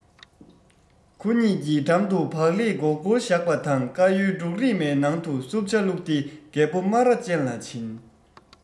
ཁོ གཉིས ཀྱི འགྲམ དུ བག ལེབ སྒོར སྒོར ཞིག བཞག པ དང དཀར ཡོལ འབྲུག རིས མའི ནང དུ བསྲུབས ཇ བླུགས ཏེ རྒད པོ སྨ ར ཅན ལ བྱིན